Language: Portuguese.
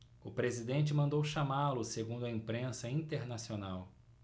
o presidente mandou chamá-lo segundo a imprensa internacional